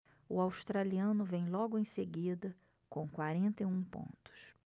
o australiano vem logo em seguida com quarenta e um pontos